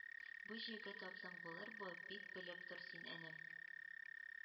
Бу Җегет абзаң булыр бу, бик белеп тор син, энем!